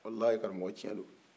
walahi karamɔgɔ cɛn do